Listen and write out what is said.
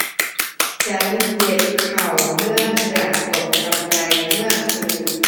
ฉันเจ็บเข่าเนื่องจากตกบันไดเมื่อคืน